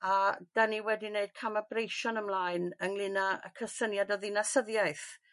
a 'dan ni wedi neud cama' breision ymlaen ynglŷn â y cysyniad o ddinasyddiaeth.